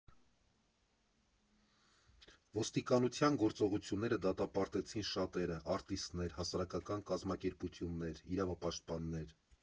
Ոստիկանության գործողությունները դատապարտեցին շատերը՝ արտիստներ, հասարակական կազմակերպություններ, իրավապաշտպաններ։